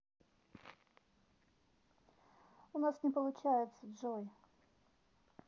у нас не получается джой